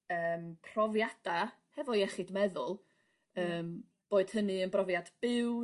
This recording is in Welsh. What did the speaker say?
yym profiada hefo iechyd meddwl yym bod hynny yn brofiad byw